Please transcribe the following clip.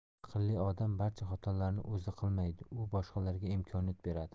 aqlli odam barcha xatolarni o'zi qilmaydi u boshqalarga imkoniyat beradi